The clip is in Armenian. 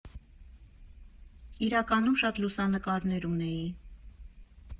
Իրականում շատ լուսանկարներ ունեի։